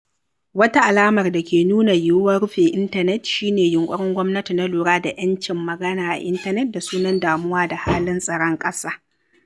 Wata alamar da ke nuna yiwuwar rufe intanet shi ne yunƙurin gwamnati na lura da 'yancin magana a intanet da sunan damuwa da halin tsaron ƙasa.